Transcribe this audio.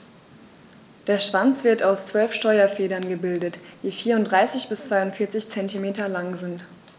Der Schwanz wird aus 12 Steuerfedern gebildet, die 34 bis 42 cm lang sind.